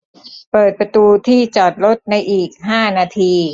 เปิดประตูที่จอดรถในอีกห้านาที